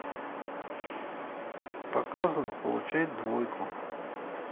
показано получает двойку